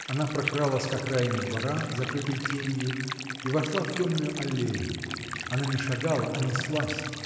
Она прокралась к окраине двора, закрытой тенью, и вошла в темную аллею. Она не шагала, а неслась